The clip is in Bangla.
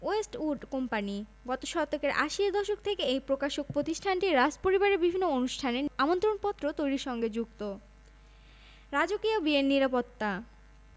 রাজপরিবারের একটি সূত্র সিএনএনকে জানায় সাবেক মার্কিন প্রেসিডেন্ট বারাক ওবামা ও মিশেল ওবামাকে এই বিয়েতে নিমন্ত্রণ করা হয়নি এমনকি বর্তমান মার্কিন প্রেসিডেন্ট ডোনাল্ড ট্রাম্প ও যুক্তরাজ্যের